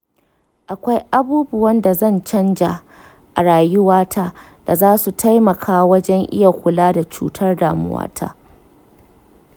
akwai abubuwan da zan canja a rayuwata da za su taimaka wajen iya kula da cutar damuwata?